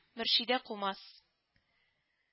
Мөршидә кумас